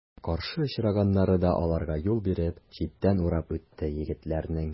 Каршы очраганнары да аларга юл биреп, читтән урап үтте егетләрнең.